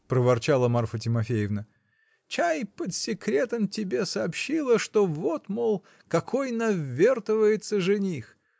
-- проворчала Марфа Тимофеевна, -- чай, под секретом тебе сообщила, что вот, мол, какой навертывается жених.